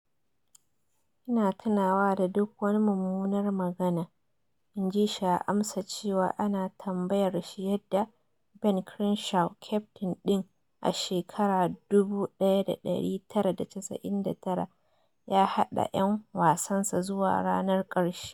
"Ina tunawa da duk wani mummunar magana," in ji shi a amsa cewa ana tambayar shi yadda Ben Crenshaw, kyaftin din a shekarar 1999, ya haɗa 'yan wasansa zuwa ranar ƙarshe.